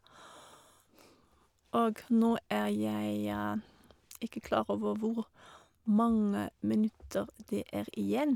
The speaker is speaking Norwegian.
Og nå er jeg ikke klar over hvor mange minutter det er igjen.